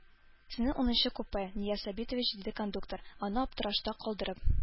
Сезнең унынчы купе, Нияз Сабитович, диде кондуктор, аны аптырашта калдырып.